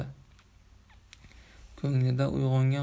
ko'nglida uyg'ongan